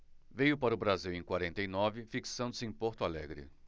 veio para o brasil em quarenta e nove fixando-se em porto alegre